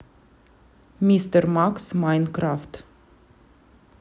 мистер макс майнкрафт